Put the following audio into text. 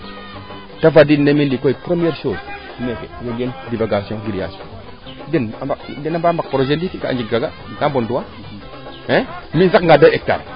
te fadiid na mi ndikoy premiere chose meeke den dena a mbaa mbak projet ndiiki a njeg kaaga a ka fontu waa mi im saqa nga deux hectare